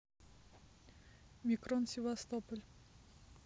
микрон севастополь